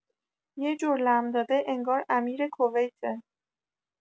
یجور لم‌داده انگار امیر کویته